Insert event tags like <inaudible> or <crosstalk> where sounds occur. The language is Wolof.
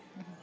<hesitation> <hesitation>